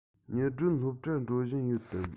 ཉི སྒྲོན སློབ གྲྭར འགྲོ བཞིན ཡོད དམ